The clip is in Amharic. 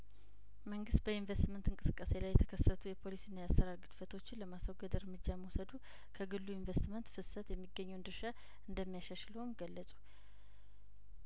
መንግስት በኢንቨስትመንት እንቅስቃሴ ላይ የተከሰቱ የፖሊሲና የአሰራር ግድፈቶችን ለማስወገድ ርምጃ መውሰዱ ከግሉ ኢንቨስትመንት ፍሰት የሚገኘውን ድርሻ እንደሚያሻሽለውም ገለጹ